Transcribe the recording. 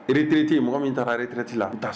mɔgɔ min taara retraite la an t'a